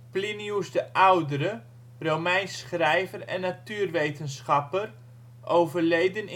Plinius de Oudere, Romeins schrijver en natuurwetenschapper (overleden